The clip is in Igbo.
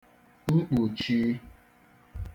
mkpuchi